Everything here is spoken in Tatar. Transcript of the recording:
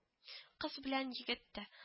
Кыз белән егет тә